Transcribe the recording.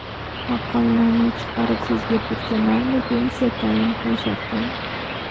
maqolani chiqarib sizga personalniy pensiya tayin qilisharkan